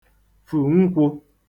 fù nkwụ̄